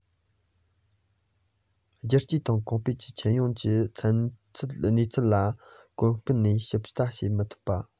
བསྒྱུར བཅོས དང གོང སྤེལ གྱི ཁྱོན ཡོངས ཀྱི གནས ཚུལ ལ སྒོ ཀུན ནས ཞིབ ལྟ བྱེད མི ཐུབ པ